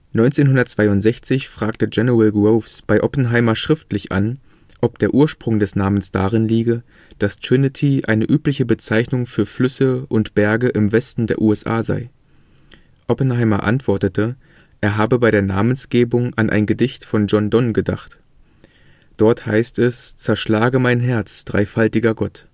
1962 fragte General Groves bei Oppenheimer schriftlich an, ob der Ursprung des Namens darin liege, dass „ Trinity “eine übliche Bezeichnung für Flüsse und Berge im Westen der USA sei. Oppenheimer antwortete, er habe bei der Namensgebung an ein Gedicht von John Donne gedacht. Dort heißt es: „ Zerschlage mein Herz, dreifaltiger Gott